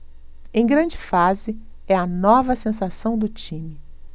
em grande fase é a nova sensação do time